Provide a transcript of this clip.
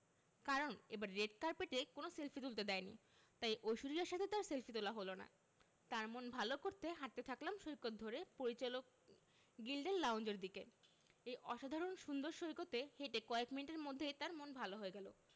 কারণ এবার রেড কার্পেটে কোনো সেলফি তুলতে দেয়নি তাই ঐশ্বরিয়ার সাথে তার সেলফি তোলা হলো না তার মন ভালো করতে হাঁটতে থাকলাম সৈকত ধরে পরিচালক গিল্ডের লাউঞ্জের দিকে এই অসাধারণ সুন্দর সৈকতে হেঁটে কয়েক মিনিটের মধ্যেই তার মন ভালো হয়ে গেল